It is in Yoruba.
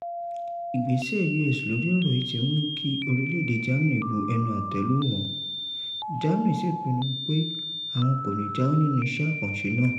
Ìgbésẹ̀ US lórí ọ̀rọ̀ yìí ti mú kí orílẹ̀èdè Germany bu ẹnu àtẹ́ lu wọ́n ,Germany sì pinnu pé àwọn kò ní jáwọ́ nínú iṣẹ́ àkànṣè náà.